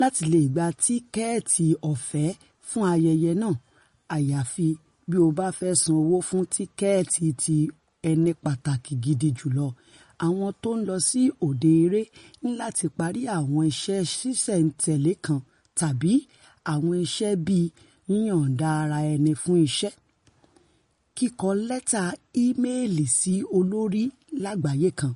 Láti leè gba tíkẹ́ẹ̀tì ọ̀fẹ́ fún ayẹyẹ náà (àyàfi bí ó báfẹ́ sán owó fún tíkẹ́ẹ̀tì ti ẸNI PÀTÀKÌ GIDI julo), àwọn tó ńlọ sí òde-eré nilati pari àwọn iṣẹ́ ṣíṣẹ̀-n-tẹ̀lé kan, tàbí ''àwọn iṣẹ́''bíi yíyọ̀ǹda ara ẹni fún iṣẹ́, kíkọ lẹ́tà i-meèlì si olórí láàgbáyé kan,